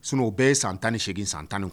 Sinon bɛ ye 18 wala san 19